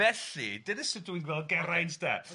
Felly, dyna sut dwi'n gweld Geraint de... Ocê...